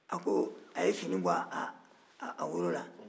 a ye fini bɔ a woro la